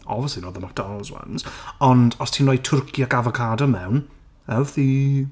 Obviously not the McDonalds ones, ond os ti'n rhoi twrci ac afocado mewn healthy!